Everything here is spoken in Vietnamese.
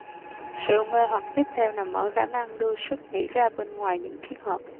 sự mê hoặc tiếp theo nằm ở khả năng đưa sức nghĩ ra bên ngoài những chiếc hộp